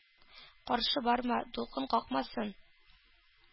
Каршы барма, дулкын какмасын“,